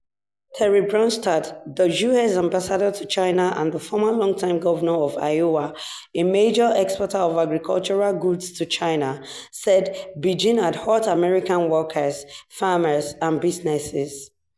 Terry Branstad, the U.S. ambassador to China and the former longtime governor of Iowa, a major exporter of agricultural goods to China, said Beijing had hurt American workers, farmers and businesses.